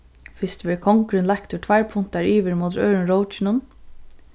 fyrst verður kongurin leiktur tveir puntar yvir ímóti øðrum rókinum